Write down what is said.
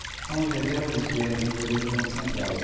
são as reservas externas em poder do banco central